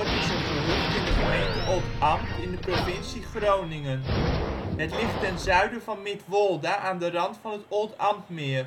is een gehucht in de gemeente Oldambt in de provincie Groningen. Het ligt ten zuiden van Midwolda aan de rand van het